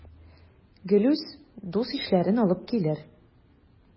Гелүс дус-ишләрен алып килер.